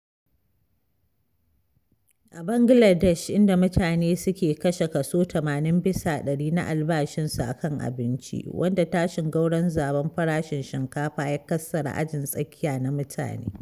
A Bangaladesh, inda mutane suke kashe kaso 80% na albashinsu a kan abinci, wanda tashin gwauron zabon farashin shinkafa ya kassara ajin tsakiya na mutane.